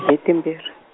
hi ti mbirhi.